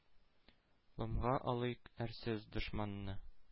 Ломга алыйк әрсез дошманны.